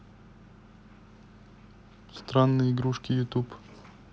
странные игрушки ютуб